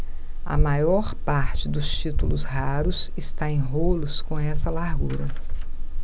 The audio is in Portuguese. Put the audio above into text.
a maior parte dos títulos raros está em rolos com essa largura